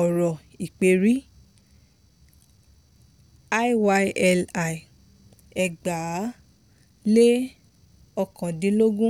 ọ̀rọ̀ ìpèrí #IYIL2019.